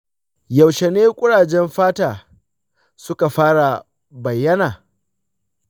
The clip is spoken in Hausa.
yaushe ne kurajen fata suka fara bayyana?